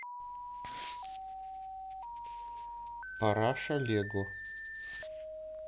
параша лего